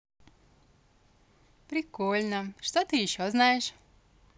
прикольно что ты еще знаешь